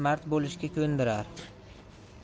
mard bo'lishga ko'ndirar